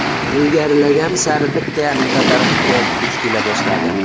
ular ilgarilaganlari sari bitta yarimta daraxtga duch kela boshladilar